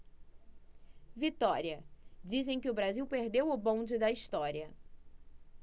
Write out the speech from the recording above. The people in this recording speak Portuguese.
vitória dizem que o brasil perdeu o bonde da história